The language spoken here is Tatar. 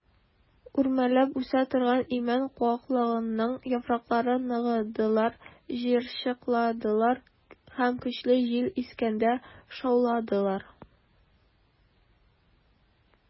Үрмәләп үсә торган имән куаклыгының яфраклары ныгыдылар, җыерчыкландылар һәм көчле җил искәндә шауладылар.